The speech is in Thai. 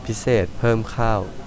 พิเศษเพิ่มข้าว